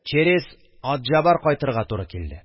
Через Атҗабар кайтырга туры килде